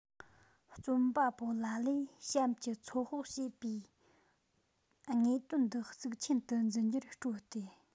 རྩོམ པ པོ ལ ལས གཤམ གྱི ཚོད དཔག བྱས པའི དངོས དོན གཙིགས ཆེན དུ འཛིན རྒྱུར སྤྲོ སྟེ